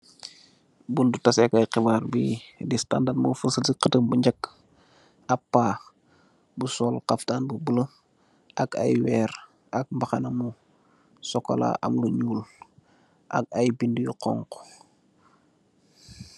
Butti tasèkai xibar bi di Standard mo fasal ci xatam bu njak am pa bu sol xaptan bu bula ak ay wèèr ak mbàxna mu sokola ak am ñuul ak ay bindi yu xonxu.